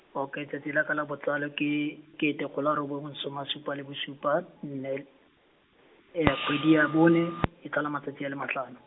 okay tsatsi la ka la botsalo ke, kete kgolo a robongwe soma a supa le bosupa nne, a kgwedi ya bone, e tlhola matsatsi a le matlhano.